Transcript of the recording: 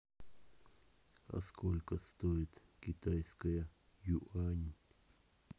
а сколько стоит китайская юань